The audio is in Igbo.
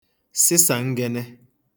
sịsàngēnē